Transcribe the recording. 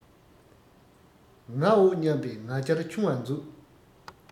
ངའོ སྙམ པའི ང རྒྱལ ཆུང བར མཛོད